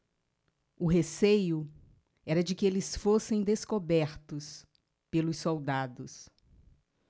o receio era de que eles fossem descobertos pelos soldados